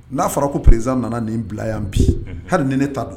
N'a fɔra ko président nana nin bila yan bi, hali ni ne taa don.